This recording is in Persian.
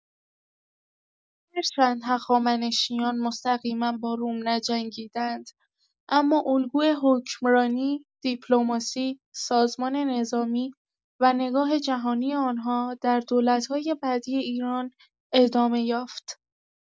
هرچند هخامنشیان مستقیما با روم نجنگیدند، اما الگوی حکمرانی، دیپلماسی، سازمان نظامی و نگاه جهانی آن‌ها در دولت‌های بعدی ایران ادامه یافت.